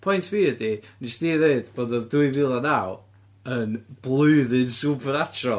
Pwynt fi ydi, wnes di ddweud bod oedd dwy fil a naw yn blwyddyn supernatural.